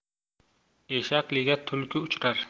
eshakliga tulki uchrar